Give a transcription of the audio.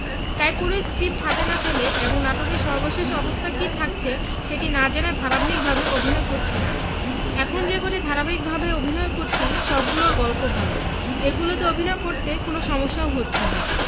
তাই পুরো স্ক্রিপ্ট হাতে না পেলে এবং নাটকের সর্বশেষ অবস্থা কী থাকছে সেটি না জেনে ধারাবাহিক ভাবে অভিনয় করছি না এখন যে কয়টি ধারাবাহিক ভাবে অভিনয় করছি সবগুলোর গল্প ভালো এগুলোতে অভিনয় করতে কোনো সমস্যাও হচ্ছে না